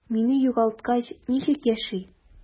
Мине югалткач, ничек яши?